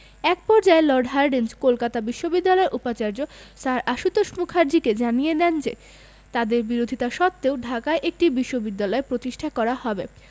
এক পর্যায়ে Lord Hardinge Kolkata বিশ্ববিদ্যালয়ের উপাচার্য স্যার আশুতোষ মুখার্জীকে জানিয়ে দেন যে তাঁদের বিরোধিতা সত্ত্বেও ঢাকায় একটি বিশ্ববিদ্যালয় প্রতিষ্ঠা করা হবে